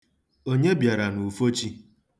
Onye bịara n'ufochi?